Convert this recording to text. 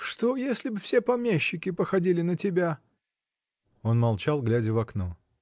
Что, если бы все помещики походили на тебя! Он молчал, глядя в окно.